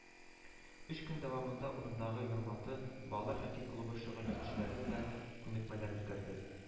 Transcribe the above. Өч көн дәвамында урындагы “юрматы” балалар хоккей клубы шөгыльләнүчеләре белән күнекмәләр үткәрде